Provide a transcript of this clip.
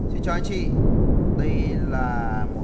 xin chào anh chị đây là một cặp